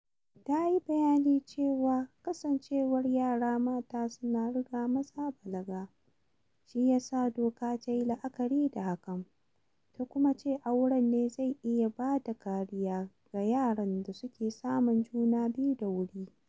Ta yi bayanin cewa kasancewar yara mata suna riga maza balaga shi ya sa doka ta yi la'akari da hakan. Ta kuma ce aure ne zai iya ba da kariya ga yaran da suke samun juna biyu da wuri.